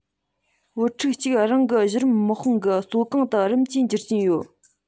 བུ ཕྲུག གཅིག རང ནི གཞི རིམ དཔོན དམག གི གཙོ རྐང དུ རིམ གྱིས འགྱུར བཞིན ཡོད